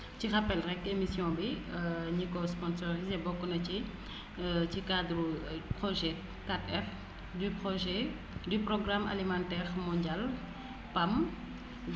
ci rappel rek émission bi ñi ko sponsorisé bokk na ci ci cadre projet 4R du projet du programme alimentaire mondial PAM